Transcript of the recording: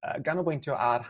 yy ganolbwyntio ar